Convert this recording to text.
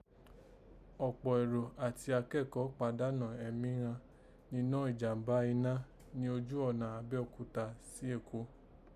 Ọ̀pọ̀ èrò àti akẹ́kọ̀ọ́ pàdánọ̀ ẹ̀mí ghan ninọ́ ìjàm̀bá iná ni ojú ọ̀nà Abẹ́òkúta sí Èkó